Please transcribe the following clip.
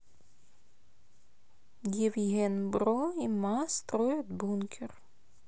евген бро и ма строят бункер